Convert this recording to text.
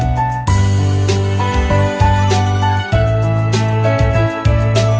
like share và subscraibe yeah live nhé